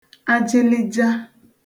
ajịlịja